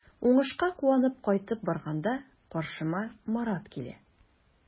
Уңышка куанып кайтып барганда каршыма Марат килә.